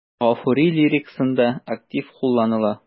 Гафури лирикасында актив кулланыла.